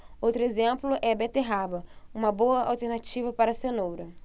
outro exemplo é a beterraba uma boa alternativa para a cenoura